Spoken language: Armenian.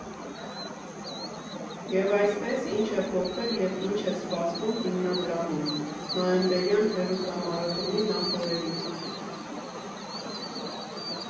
Եվ այսպես, ի՞նչ է փոխվել և ի՞նչ է սպասվում հիմնադրամում՝ նոյեմբերյան հեռուստամարաթոնի նախօրեին։